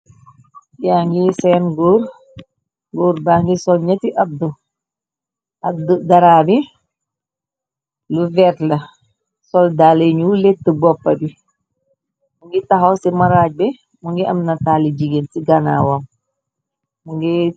Yaa ngi seen gór ba ngi solñeti ababd daraami lu vertla sol dale ñu létt boppar bi mu ngi taxaw ci maraaj bi mu ngi am na talli jigéen ci ganawam.